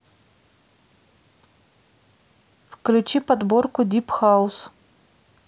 включи подборку дип хаус